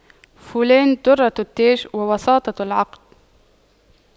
فلان دُرَّةُ التاج وواسطة العقد